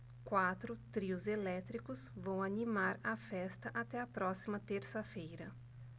quatro trios elétricos vão animar a festa até a próxima terça-feira